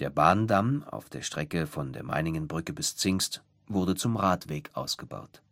Bahndamm auf der Strecke von der Meiningenbrücke bis Zingst wurde zum Radweg ausgebaut